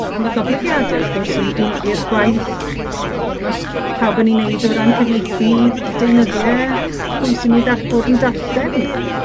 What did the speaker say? A my' goblygiade wrth gwrs i i i'r gwaith m- ma' m- pawb yn 'i wneud o ran cyfieithu deunyddie, pwy sy'n myn' i ddar- fod yn darllen?